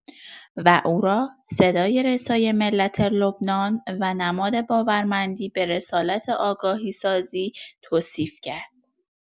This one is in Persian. و او را، صدای رسای ملت لبنان و نماد باورمندی به رسالت آگاهی‌سازی توصیف کرد.